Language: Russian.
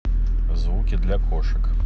звуки для кошек